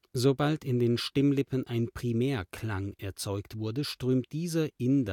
Sobald in den Stimmlippen ein Primärklang erzeugt wurde, strömt dieser in